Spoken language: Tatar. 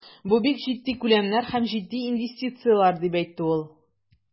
Бу бик җитди күләмнәр һәм җитди инвестицияләр, дип әйтте ул.